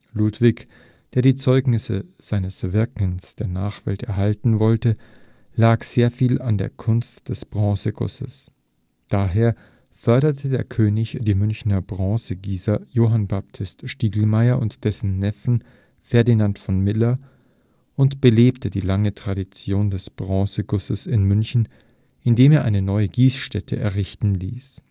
Ludwig, der die Zeugnisse seines Wirkens der Nachwelt erhalten wollte, lag sehr viel an der Kunst des Bronzegusses. Daher förderte der König die Münchner Bronzegießer Johann Baptist Stiglmaier und dessen Neffen Ferdinand von Miller und belebte die lange Tradition des Bronzegusses in München, indem er eine neue Gießstätte errichten ließ